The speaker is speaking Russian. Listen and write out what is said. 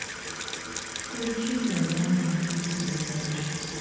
включить программу телепередач